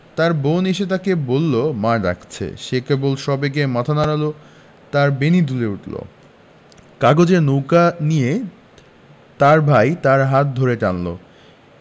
তার বোন এসে তাকে বললে মা ডাকছে সে কেবল সবেগে মাথা নাড়ল তার বেণী দুলে উঠল কাগজের নৌকো নিয়ে তার ভাই তার হাত ধরে টানলে